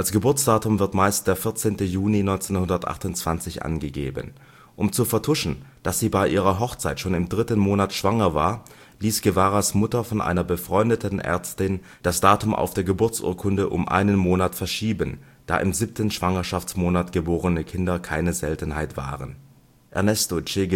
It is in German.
Geburtsdatum wird meist der 14. Juni 1928 angegeben. Um zu vertuschen, dass sie bei ihrer Hochzeit schon im dritten Monat schwanger war, ließ Guevaras Mutter von einer befreundeten Ärztin das Datum auf der Geburtsurkunde um einen Monat verschieben, da im siebten Schwangerschaftsmonat geborene Kinder keine Seltenheit waren. Ernesto Che